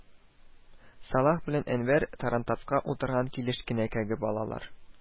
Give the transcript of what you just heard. Салах белән Әнвәр тарантаска утырган килеш кенә кәгеп алалар